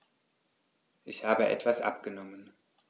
Ich habe etwas abgenommen.